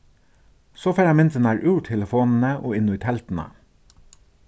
so fara myndirnar úr telefonini og inn í telduna